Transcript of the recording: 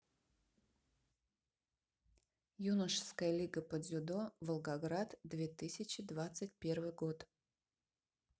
юношеская лига по дзюдо волгоград две тысячи двадцать первый год